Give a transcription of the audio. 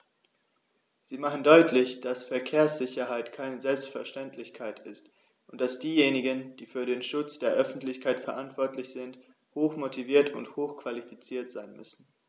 Sie machen deutlich, dass Verkehrssicherheit keine Selbstverständlichkeit ist und dass diejenigen, die für den Schutz der Öffentlichkeit verantwortlich sind, hochmotiviert und hochqualifiziert sein müssen.